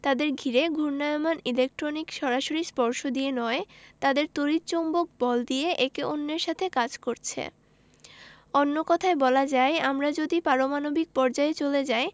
তাদের ঘিরে ঘূর্ণায়মান ইলেকট্রন সরাসরি স্পর্শ দিয়ে নয় তাদের তড়িৎ চৌম্বক বল দিয়ে একে অন্যের সাথে কাজ করছে অন্য কথায় বলা যায় আমরা যদি পারমাণবিক পর্যায়ে চলে যাই